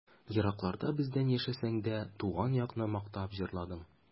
Еракларда бездән яшәсәң дә, Туган якны мактап җырладың.